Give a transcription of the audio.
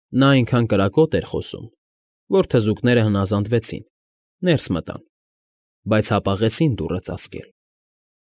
Նա այնքան կրակոտ էր խոսում, որ թզուկները հնազանդվեցին, ներս մտան, բայց հապաղեցին դուռը ծածկել։